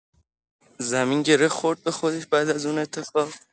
زمان گره خورد به خودش بعد از اون اتفاق!